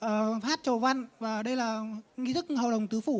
ờ hát chầu văn và đây là nghi thức hầu đồng tứ phủ